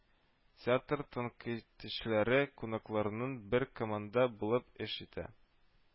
Театр тәнкыйтьчеләре кунакларның бер команда булып эш итә